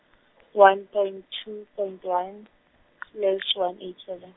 one point two point one, slash one eight seven.